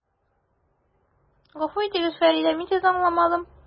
Гафу итегез, Фәридә, мин Сезне аңламадым.